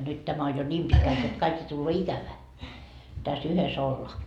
nyt tämä on jo niin pitkälti jotta kaikki jo tulee ikävää tässä yhdessä ollaan